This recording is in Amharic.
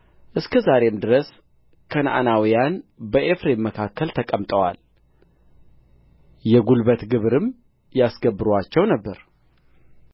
እስከ ዛሬም ድረስ ከነዓናውያን በኤፍሬም መካከል ተቀምጠዋል የጕልበት ግብርም ያስገብሩአቸው ነበር